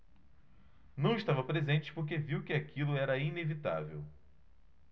não estava presente porque viu que aquilo era inevitável